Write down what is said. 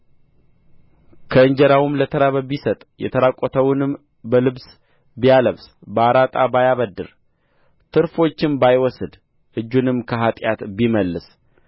ከእንጀራውም ለተራበ ቢሰጥ የተራቈተውንም በልብስ ቢያለብስ በአራጣ ባያበድር ትርፎቻም ባይወስድ እጁንም ከኃጢአት ቢመልስ